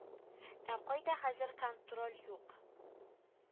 Ә кайда хәзер контроль юк